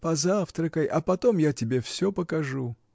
Позавтракай, а потом я тебе всё покажу.